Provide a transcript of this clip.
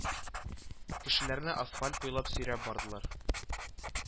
Кешеләрне асфальт буйлап сөйрәп бардылар